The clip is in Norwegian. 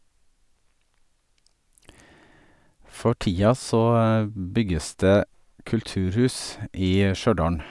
For tida så bygges det kulturhus i Stjørdalen.